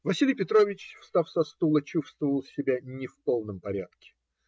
Василий Петрович, встав со стула, чувствовал себя не в полном порядке.